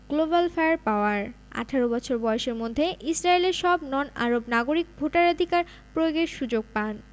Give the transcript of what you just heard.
global fire power ১৮ বছর বয়সের মধ্যে ইসরায়েলের সব নন আরব নাগরিক ভোটাধিকার প্রয়োগের সুযোগ পান